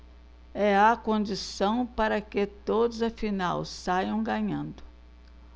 é a condição para que todos afinal saiam ganhando